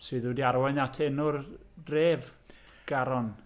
Sydd wedi arwain at enw'r dref Garon.